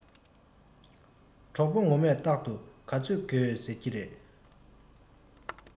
གྲོགས པོ ངོ མས རྟག དུ ག ཚོད དགོས ཟེར གྱི ཡོད